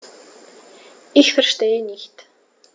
Ich verstehe nicht.